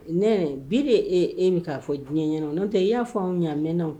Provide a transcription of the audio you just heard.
Nɛnɛ bi de e bɛ ka fɔ diɲɛ ɲɛna o n'o tɛ i y'a fɔ anw ɲɛna a mɛnna o